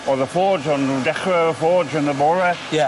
O'dd y forge o'n nw'n dechre y forge yn y bore. Ie.